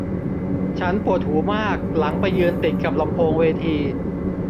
ฉันปวดหูมากหลังไปยืนติดกับลำโพงเวที